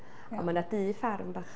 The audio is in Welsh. O, ma' 'na dŷ ffarm bach.